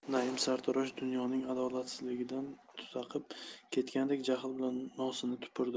naim sartarosh dunyoning adolatsizligidan tutaqib ketgandek jahl bilan nosini tupurdi